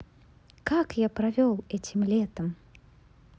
как я провел этим летом